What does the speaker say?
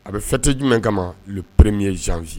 A bɛ fɛte jumɛn kama perereme ye zji